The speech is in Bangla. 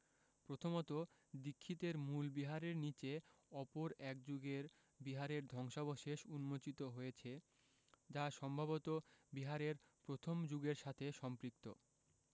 প্রথমত দীক্ষিতের মূল বিহারের নিচে অপর এক যুগের বিহারের ধ্বংসাবশেষ উন্মোচিত হয়েছে যা সম্ভবত বিহারের প্রথম যুগের সাথে সম্পৃক্ত